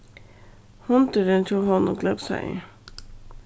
hundurin hjá honum glepsaði